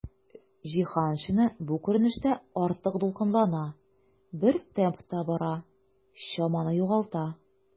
Җиһаншина бу күренештә артык дулкынлана, бер темпта бара, чаманы югалта.